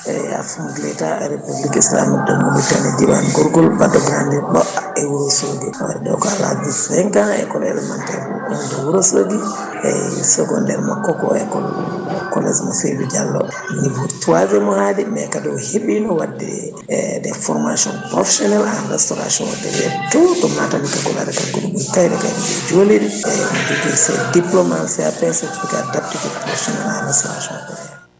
eyyi * république :ra islamique diwan gorgol wadde mi andi ɗo e Wourossogui